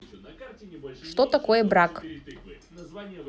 что такое брак